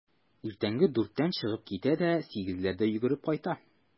Иртәнге дүрттән чыгып китә дә сигезләрдә йөгереп кайта.